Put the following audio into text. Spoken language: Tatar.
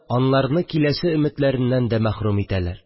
Анларны киләсе өметләреннән дә мәхрүм итәләр